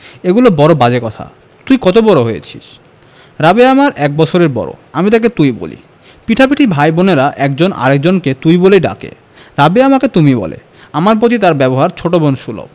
এগুলি বড় বাজে কথা তুই কত বড় হয়েছিস রাবেয়া আমার এক বৎসরের বড় আমি তাকে তুই বলি পিঠাপিঠি ভাই বোনের একজন আরেক জনকে তুই বলেই ডাকে রাবেয়া আমাকে তুমি বলে আমার প্রতি তার ব্যবহার ছোট বোন সুলভ